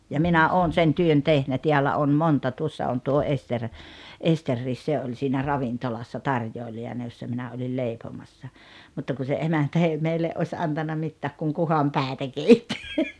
ja minä olen sen työn tehnyt täällä on monta tuossa on tuo Esteri Esterikin se oli siinä ravintolassa tarjoilijana jossa minä olin leipomassa mutta kun se emäntä ei meille olisi antanut mitään kun kuhanpäitä keitti